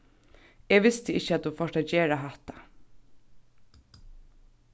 eg visti ikki at tú fórt at gera hatta